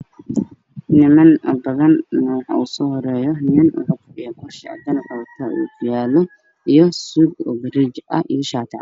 Niman oo badan nimankaasoo hore waxaa soo horreeyo ku shaatiwato iyo wakiyaalo iyo suud oo buluug ah